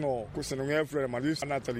Sinan